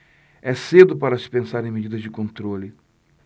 é cedo para se pensar em medidas de controle